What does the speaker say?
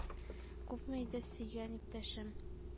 Күпме иде сөйгән иптәшем,